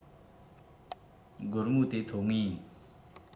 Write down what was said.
སྒོར མོ དེ ཐོབ ངེས ཡིན